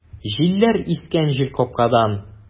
Җилләр искән җилкапкадан!